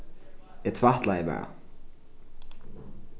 eg tvætlaði bara